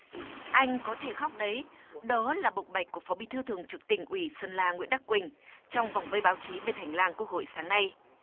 anh có thể khóc đấy đó là bộc bạch của phó bí thư thường trực tỉnh ủy sơn la nguyễn đắc quỳnh trong vòng vây báo chí bên hành lang quốc hội sáng nay